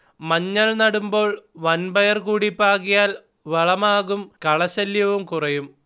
മഞ്ഞൾ നടുമ്പോൾ വൻപയർ കൂടി പാകിയാൽ വളമാകും കളശല്യവും കുറയും